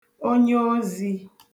onyeozī